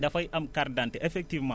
dafay am carte d' identité effectivement